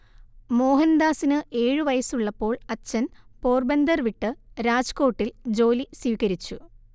മോഹൻദാസിന് ഏഴു വയസ്സുള്ളപ്പോൾ അച്ഛൻ പോർബന്ദർ വിട്ട് രാജ്കോട്ടിൽ ജോലി സ്വീകരിച്ചു